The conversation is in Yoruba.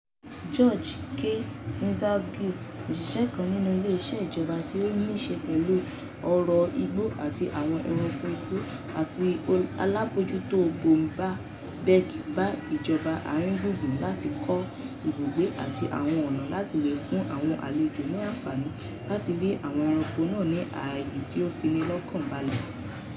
George K. Azangue, òṣìṣẹ́ kan nínú ilé iṣẹ́ ìjọba tí ó ní ṣe pẹ̀lú ọ̀rọ̀ igbó àti àwọn ẹranko igbó àti alábòójútó Boumba Bek bẹ ìjọba àárín gbùngbùn láti 'kọ́ ibùgbé àti àwọn ọ̀nà láti lè fún àwọn àlejò ní àǹfààní láti rí àwọn ẹranko náà ní ààyè tí ó fini lọ́kàn balẹ̀. "